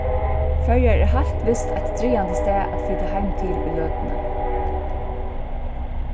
føroyar er heilt vist eitt dragandi stað at flyta heim til í løtuni